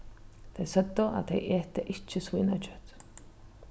tey søgdu at tey eta ikki svínakjøt